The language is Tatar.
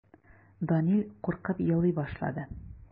Данил куркып елый башлый.